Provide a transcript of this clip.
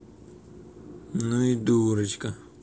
ну и дурочка